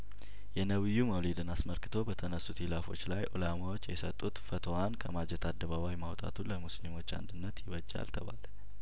የነብዩ መውሊድን አስመልክቶ በተነሱት ሂላፎች ላይ ኡላማዎች የሰጡት ፈትዋን ከማጀት አደባባይ ማውጣቱ ለሙስሊሞች አንድነት ይበጃል ተባለ